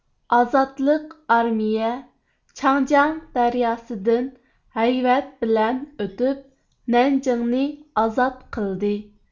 ئازادلىق ئارمىيە چاڭجىياڭ دەرياسىدىن ھەيۋەت بىلەن ئۆتۈپ نەنجىڭنى ئازاد قىلدى